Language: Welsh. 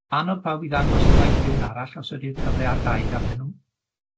anog pawb i ddangos 'i gwaith i rywun arall os ydi'r cyfle ar gael ganddyn nw,